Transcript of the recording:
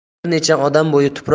bir necha odam bo'yi tuproq